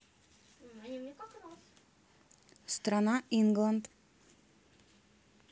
страна england